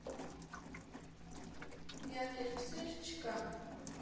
Միակերպ սեր չկա։